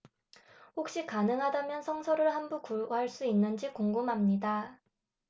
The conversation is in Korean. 혹시 가능하다면 성서를 한 부 구할 수 있는지 궁금합니다